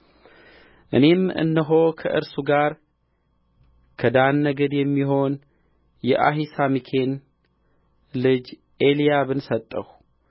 እኔም እነሆ ከእርሱ ጋር ከዳን ነገድ የሚሆን የአሂሳሚክን ልጅ ኤልያብን ሰጠሁ